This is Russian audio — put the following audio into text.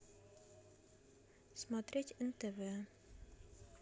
смотреть нтв